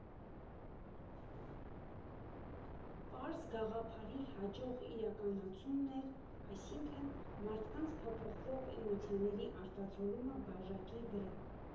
Պարզ գաղափարի հաջող իրականացումն էր՝ այսինքն, մարդկանց փոփոխվող էմոցիաների արտացոլումը բաժակի վրա։